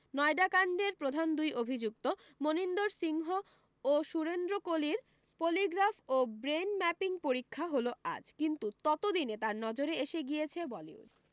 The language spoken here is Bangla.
নয়ডা কাণ্ডের প্রধান দুই অভি্যুক্ত মনিন্দর সিংহ ও সুরেন্দ্র কোলির পলিগ্রাফ ও ব্রেন ম্যাপিং পরীক্ষা হল আজ কিন্তু তত দিনে তার নজরে এসে গিয়েছে বলিউড